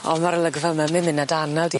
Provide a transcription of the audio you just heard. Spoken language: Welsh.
O ma'r olygfa 'my ma'n myn' â d' anal di...